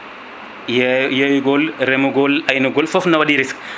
yeeygol reemugol aynugol foof ne waɗi risque